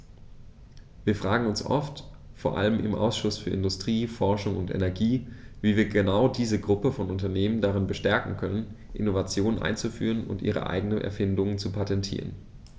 Wir fragen uns oft, vor allem im Ausschuss für Industrie, Forschung und Energie, wie wir genau diese Gruppe von Unternehmen darin bestärken können, Innovationen einzuführen und ihre eigenen Erfindungen zu patentieren.